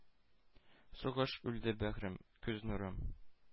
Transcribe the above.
Сугшып үлде бәгърем, күз нурым.